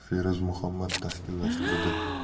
feruz muhammad tashkillashtirdi